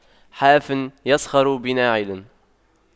حافٍ يسخر بناعل